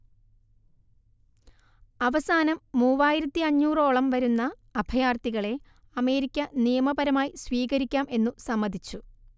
അവസാനം മൂവായിരത്തിയഞ്ഞൂറ് ഓളം വരുന്ന അഭയാർത്ഥികളെ അമേരിക്ക നിയമപരമായി സ്വീകരിക്കാം എന്നു സമ്മതിച്ചു